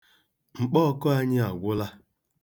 Mkpọọkụ anyị agwụla.